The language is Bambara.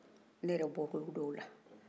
ne yɛrɛ bɔr'olu dɔw la